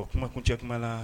O kumakun cɛ kuma na